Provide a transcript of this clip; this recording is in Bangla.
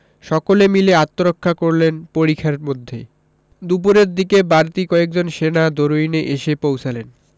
সকলে মিলে আত্মরক্ষা করলেন পরিখার মধ্যে দুপুরের দিকে বাড়তি কয়েকজন সেনা দরুইনে এসে পৌঁছালেন